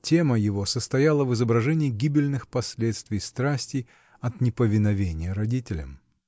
Тема его состояла в изображении гибельных последствий страсти и неповиновения родителям.